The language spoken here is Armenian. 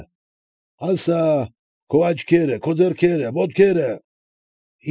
Ասա՛, ինչի՞ց են շինված քո գլուխն ու քո լեզուն, քո աչքերը, քո ձեռքերը, ոտքերը։